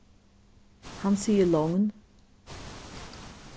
hann sigur logn